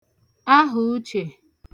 ahàuchè